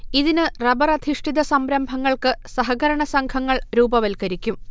ഇതിന് റബ്ബറധിഷ്ഠിത സംരംഭങ്ങൾക്ക് സഹകരണ സംഘങ്ങൾ രൂപവത്കരിക്കും